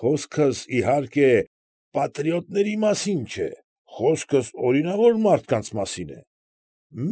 Խոսքս, իհարկե, պատրիոտների մասին չէ, խոսքս օրինավոր մարդկանց մասին է։